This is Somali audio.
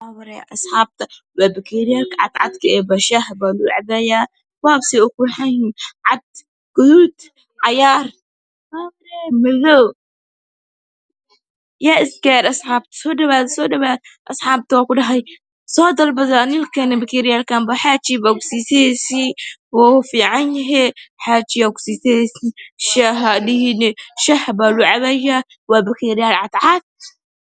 Asxaabta waa bakeeeriyaalka cad cadka shaaha baa lagu cabaayaa woow sey uqurux yihiin cad guduud csgaar madow yaa isgaaray asxaabta soo dhawaado asxaabta ku dhahay soo dalbado waana liikeenaya bakeeeiyaalkan xaajiga baa ku siisahaysiin waa fiicanyahay xajiga mu siisahaysiin ahaaha shaaha baa lagu cabayaa waa bakeeeriyaal cad cad